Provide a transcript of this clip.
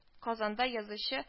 Казанда язучы